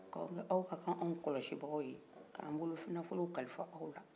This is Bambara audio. ko aw ka k'anw kɔlɔsi bagaw ye k'an bolo nafolo kalif'aw la